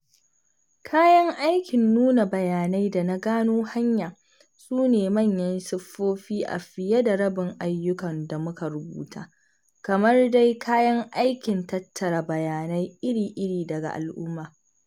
Kayan aikin nuna bayanai da na gano hanya sune manyan siffofi a fiye da rabin ayyukan da muka rubuta, kamar dai kayan aikin tattara bayanai iri-iri daga al’umma.